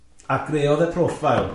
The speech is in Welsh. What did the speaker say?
A greodd e profile.